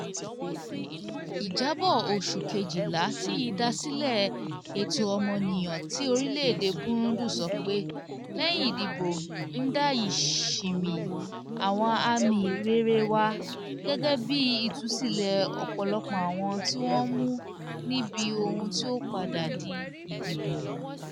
Ìjábọ̀ oṣù Kejìlá ti Ìdásílẹ̀ Ẹ̀tọ́ Ọmọnìyàn ti orílẹ̀ èdè Burundi sọ pé, lẹ́yìn ìdìbò Ndayishimye, àwọn àmì rere wà, gẹ́gẹ́ bíi ìtúsílẹ̀ ọ̀pọ̀lọpọ̀ àwọn tí wọ́n mú níbi ohun tí ó padà di ìdìbò.